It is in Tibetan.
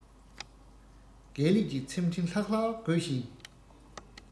དགེ ལེགས ཀྱི ཚེམས ཕྲེང ལྷག ལྷག དགོད བཞིན